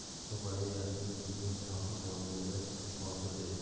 to'qayda yashirinib yurgan tohir robiyadan xavotirda edi